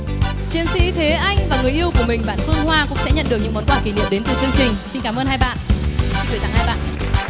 chiến sĩ thế anh và người yêu của mình bạn phương hoa cũng sẽ nhận được những món quà kỷ niệm đến từ chương trình xin cám ơn hai bạn xin gửi tặng hai bạn